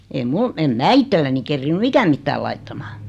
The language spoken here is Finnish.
ei minulla en minä itselleni kerinnyt ikänä mitään laittamaan